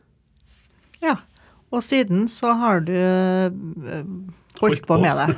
ja og siden så har du holdt på med det.